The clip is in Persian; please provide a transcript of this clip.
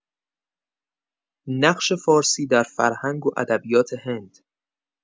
نقش فارسی در فرهنگ و ادبیات هند